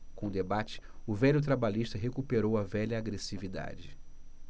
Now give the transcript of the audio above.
com o debate o velho trabalhista recuperou a velha agressividade